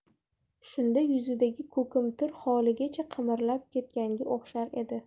shunda yuzidagi ko'kimtir xoligacha qimirlab ketganga o'xshar edi